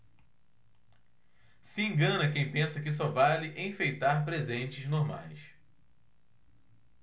se engana quem pensa que só vale enfeitar presentes normais